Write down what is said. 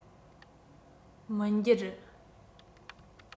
མི འགྱུར